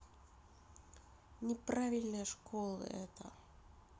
неправильная школа это